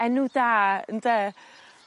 enw da ynde?